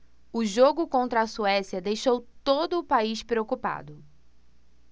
o jogo contra a suécia deixou todo o país preocupado